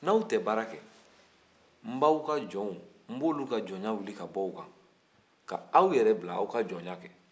n'aw tɛ baara kɛ n b'aw ka jɔnw n b'olu ka jɔnya wili k'a b'u kan k'aw yɛrɛ bil'aw ka jɔnya kɛ